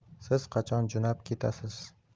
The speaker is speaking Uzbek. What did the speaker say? siz qachon jo'nab ketasiz